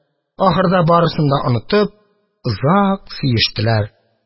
Ахырда, барысын да онытып, озак сөештеләр.